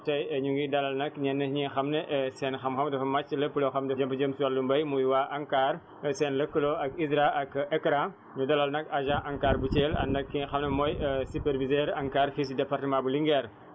tay ñu ngi dalal nag ñënn ñi nga xam ne seen xam-xam dafa màcc si lépp loo xam ne dafa jëm si wàllu mbay muy waa ANCAR seen lëkkaloo ak ISRA ak ECRA ñu dalal nag agent ANCAR bu ànd ak ki nga xam ne mooy superviseur ANCAR fii si département bu Linguère